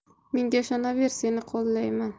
menga ishonaver seni qo'llayman